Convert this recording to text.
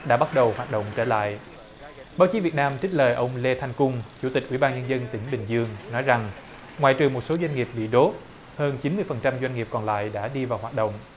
đã bắt đầu hoạt động trở lại báo chí việt nam trích lời ông lê thanh cung chủ tịch ủy ban nhân dân tỉnh bình dương nói rằng ngoại trừ một số doanh nghiệp bị đốt hơn chín mươi phần trăm doanh nghiệp còn lại đã đi vào hoạt động